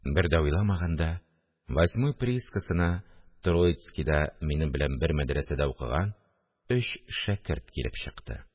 Бер дә уйламаганда, «Восьмой» приискасына Троицкида минем белән бер мәдрәсәдә укыган өч шәкерт килеп чыкты